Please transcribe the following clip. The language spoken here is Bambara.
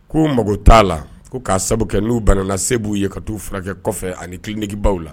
Ko mago t'a la ko k'a sababu kɛ n'u baarala se b'u ye ka taa u furakɛ kɔfɛ ani kiingebaw la